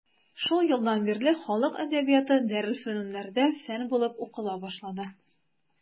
Шул елдан бирле халык әдәбияты дарелфөнүннәрдә фән булып укыла башланды.